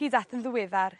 hyd at yn ddiweddar